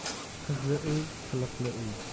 qizli uy qiliqli uy